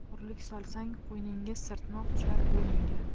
o'g'irlik solsang qo'yningga sirtmoq tushar bo'yningga